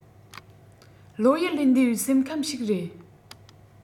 བློ ཡུལ ལས འདས པའི སེམས ཁམས ཞིག རེད